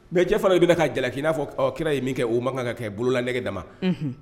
Mais cɛ fana i bɛna ka jalaki n'a fɔ kira ye min kɛ, o man kan ka kɛ bolola nɛgɛ dama!